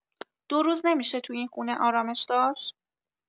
دو روز نمی‌شه تو این خونه ارامش داشت؟